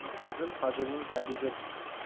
hazil hazilning tagi zil